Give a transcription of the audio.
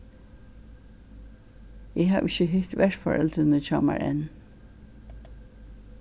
eg havi ikki hitt verforeldrini hjá mær enn